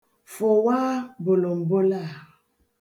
Fụwaa bolombolo a.